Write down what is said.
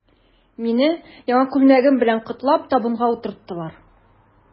Мине, яңа күлмәгем белән котлап, табынга утырттылар.